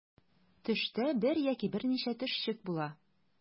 Төштә бер яки берничә төшчек була.